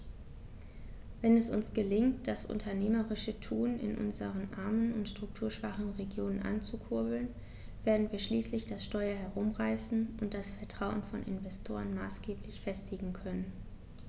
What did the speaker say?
Wenn es uns gelingt, das unternehmerische Tun in unseren armen und strukturschwachen Regionen anzukurbeln, werden wir schließlich das Steuer herumreißen und das Vertrauen von Investoren maßgeblich festigen können.